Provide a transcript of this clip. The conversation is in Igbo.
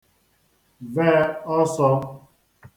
ve ọsọ